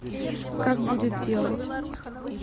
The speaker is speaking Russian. как будем делать